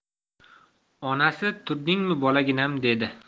onasi turdingmi bolaginam dedi